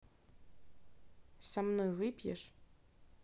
со мной выпьешь